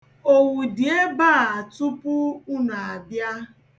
Owu dị ebe a tupu unu abịa.